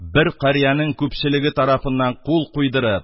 Бер карьянең күпчелеге тарафыннан кул куйдырып